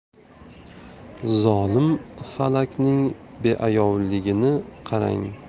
zolim falakning beayovligini qarang